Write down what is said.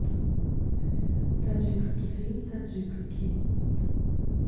таджикский фильм таджикский